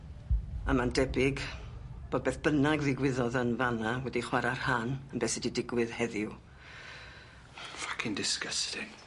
A ma'n debyg bo' beth bynnag ddigwyddodd yn fan 'na wedi chwara rhan yn be' sy 'di digwydd heddiw. Ffycin disgustin.